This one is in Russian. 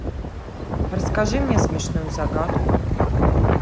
расскажи мне смешную загадку